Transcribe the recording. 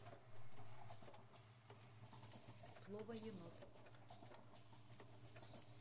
слово енот